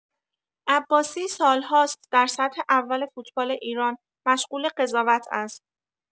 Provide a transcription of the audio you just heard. عباسی سال‌هاست در سطح اول فوتبال ایران مشغول قضاوت است.